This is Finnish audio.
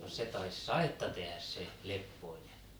no se taisi sadetta tehdä se Lepponen